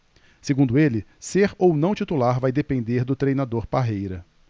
segundo ele ser ou não titular vai depender do treinador parreira